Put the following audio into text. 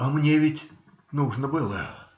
- А мне ведь нужно было.